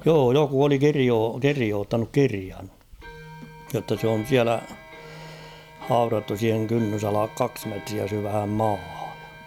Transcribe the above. joo joku oli - kirjoittanut kirjan jotta se on siellä haudattu siihen kynnysalle kaksi metriä syvään maahan